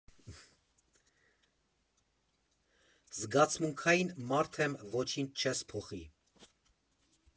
Զգացմունքային մարդ եմ, ոչինչ չես փոխի։